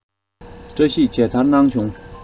བཀྲ ཤིས མཇལ དར གནང བྱུང